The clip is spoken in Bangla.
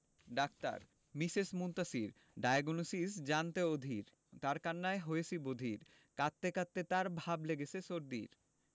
ডাক্তার মিসেস মুনতাসীর ডায়োগনসিস জানতে অধীর তার কান্নায় হয়েছি বধির কাঁদতে কাঁদতে তার ভাব লেগেছে সর্দির